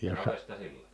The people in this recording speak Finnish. savesta sillat